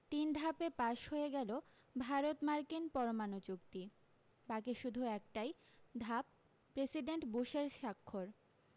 তিন ধাপে পাশ হয়ে গেল ভারত মার্কিন পরমাণু চুক্তি বাকী শুধু একটাই ধাপ প্রেসিডেন্ট বুশের সাক্ষর